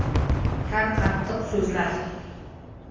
kar qattiq so'zlar